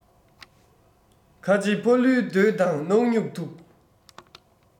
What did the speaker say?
ཁ ཆེ ཕ ལུའི འདོད དང སྣག སྨྱུག ཐུག